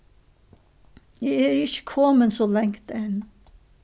eg eri ikki komin so langt enn